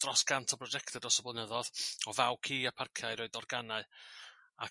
dros gant o brojectau dros y blynyddoedd o faw ci a parcia' i roid organnau ac